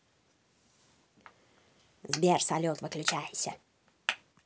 сбер салют выключайся